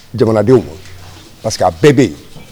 Jamanadenw parceri que a bɛɛ bɛ yen